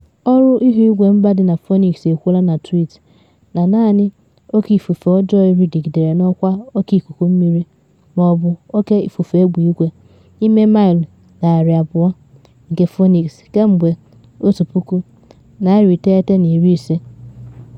Ọrụ Ihuigwe Mba dị na Phoenix ekwuola na twit na naanị “oke ifufe ọjọọ iri dịgidere n’ọkwa oke ikuku mmiri ma ọ bụ oke ifufe egbe-igwe n’ime maịlụ 200 nke Phoenix kemgbe 1950!